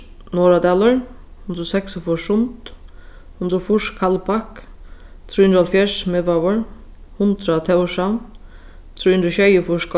norðradalur hundrað og seksogfýrs sund hundrað og fýrs kaldbak trý hundrað og hálvfjerðs miðvágur hundrað tórshavn trý hundrað og sjeyogfýrs